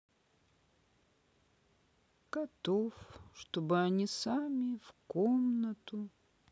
котов чтобы они сами в комнату